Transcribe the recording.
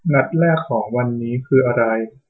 นัดแรกของวันนี้นี้คืออะไร